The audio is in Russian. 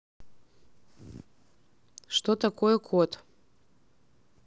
что такое код